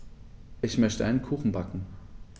Ich möchte einen Kuchen backen.